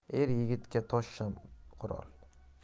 er yigitga tosh ham qurol